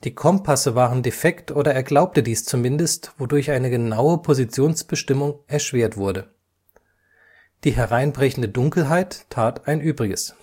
Kompasse waren defekt oder er glaubte dies zumindest, wodurch eine genaue Positionsbestimmung erschwert wurde. Die hereinbrechende Dunkelheit tat ein Übriges